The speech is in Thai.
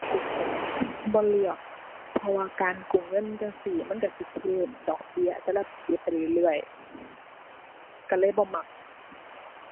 บ่เลือก เพราะว่าการกู้เงินจั่งซี้มันก็สิเพิ่มดอกเบี้ยแต่ละปีไปเรื่อยเรื่อยก็เลยบ่มัก